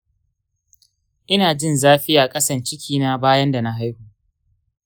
inajin zafi a kasan ciki na bayan dana haihu